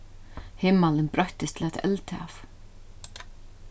himmalin broyttist til eitt eldhav